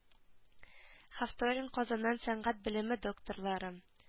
Хавторин казаннан сәнгать белеме докторлары